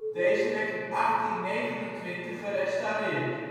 Deze werd in 1829 gerestaureerd